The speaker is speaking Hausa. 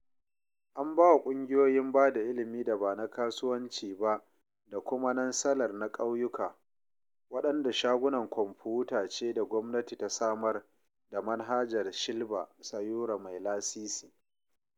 An ba wa ƙungiyoyin ba da ilimi da ba na kasuwanci ba da kuma Nansalar na ƙauyuka, waɗanda shagunan kwanfuta ce da gwamnati ta samar da manhajar Shilpa Sayura mai lasisi.